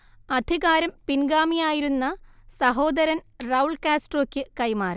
അധികാരം പിൻഗാമിയായിരുന്ന സഹോദരൻ റൗൾ കാസ്ട്രോക്ക് കൈമാറി